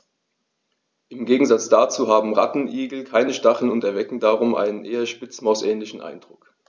Im Gegensatz dazu haben Rattenigel keine Stacheln und erwecken darum einen eher Spitzmaus-ähnlichen Eindruck.